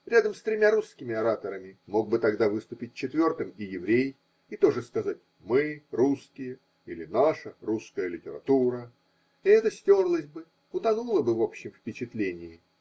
рядом с тремя русскими ораторами мог бы тогда выступить четвертым и еврей и тоже сказать мы, русские или наша русская литература – и это стерлось бы, утонуло бы в общем впечатлении.